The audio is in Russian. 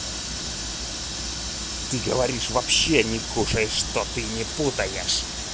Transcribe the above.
ты говоришь вообще не кушаешь что ты не путаешь